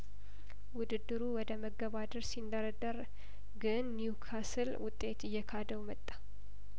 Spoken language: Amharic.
ውድድሩ ወደ መገባደድ ሲን ደረደር ግን ኒውካስል ውጤት እየካደው መጣ